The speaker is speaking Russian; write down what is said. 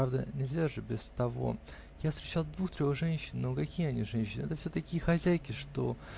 Правда, нельзя же без того, я встречал двух-трех женщин, но какие они женщины? это всё такие хозяйки, что.